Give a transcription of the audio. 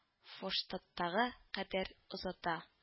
Фоштаттагы кадәр озата